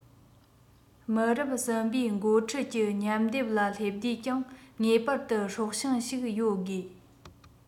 མི རབས གསུམ པའི འགོ ཁྲིད ཀྱི མཉམ བསྡེབ ལ སླེབས དུས ཀྱང ངེས པར དུ སྲོག ཤིང ཞིག ཡོད དགོས